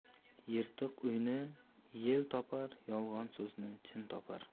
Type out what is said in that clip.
yirtiq uyni yel topar yolg'on so'zni chin topar